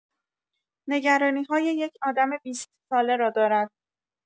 نگرانی‌های یک آدم بیست ساله را دارد.